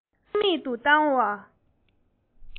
ཕངས མེད དུ བཏང པ